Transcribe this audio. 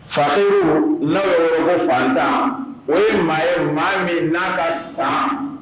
Fasoru n'o be weele ko fantan o ye maa ye maa min n'a ka san